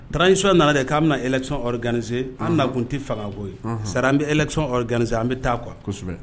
T insuya nana ye k'a bɛna nati g gananiese an nakun tɛ faga bɔ ye sara an bɛ etion gananie an bɛ taa qu kosɛbɛ